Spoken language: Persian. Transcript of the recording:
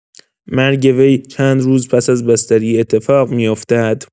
مرگ وی چند روز پس‌از بستری اتفاق می‌افتد.